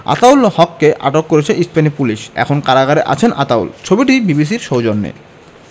আতাউল হককে আটক করেছে স্প্যানিশ পুলিশ এখন কারাগারে আছেন আতাউল ছবিটি বিবিসির সৌজন্যে